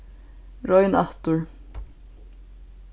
royn aftur